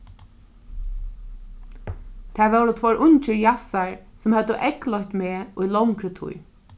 tað vóru tveir ungir jassar sum høvdu eygleitt meg í longri tíð